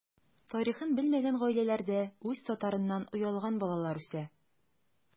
Тарихын белмәгән гаиләләрдә үз татарыннан оялган балалар үсә.